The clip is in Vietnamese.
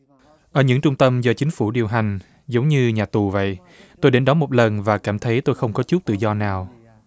ở những trung tâm do chính phủ điều hành giống như nhà tù vậy tôi đến đó một lần và cảm thấy tôi không có chút tự do nào